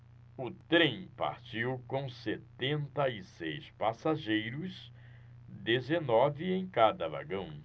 o trem partiu com setenta e seis passageiros dezenove em cada vagão